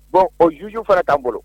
Bon o juge fana t'an bolo